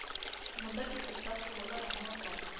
Монда бик оста куалар аны апам